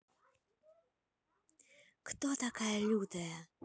кто такая лютая